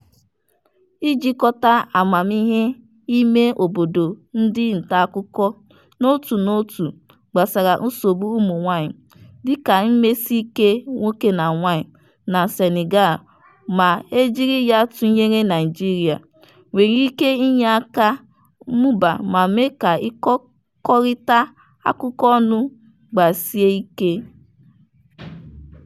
Ijikọta amamihe imeobodo ndị ntaakụkọ n'otu n'otu gbasara nsogbu ụmụnwaanyị - dịka mmesiike nwoke na nwaanyị na Senegal ma e jiri ya tụnyere Naịjirịa - nwere ike inye aka mụbaa ma mee ka ịkọkọrịta akụkọ ọnụ gbasie ike.